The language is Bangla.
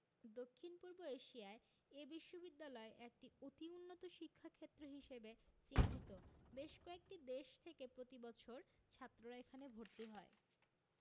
দক্ষিণ পূর্ব এশিয়ায় এ বিশ্ববিদ্যালয় একটি অতি উন্নত শিক্ষাক্ষেত্র হিসেবে চিহ্নিত বেশ কয়েকটি দেশ থেকে প্রতি বছর ছাত্ররা এখানে ভর্তি হয়